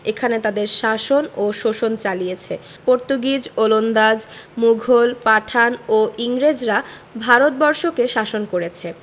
এখানে তাদের শাসন ও শোষণ চালিয়েছে পর্তুগিজ ওলন্দাজ মুঘল পাঠান ও ইংরেজরা ভারত বর্ষকে শাসন করেছে